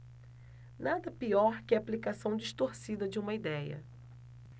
nada pior que a aplicação distorcida de uma idéia